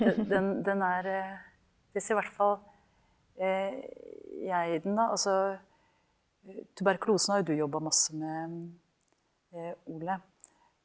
den den den er det ser hvert fall jeg den da, altså tuberkulosen har du jobba masse med Ole.